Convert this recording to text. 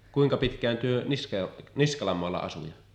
kuinka pitkään te Niskalan maalla asuitte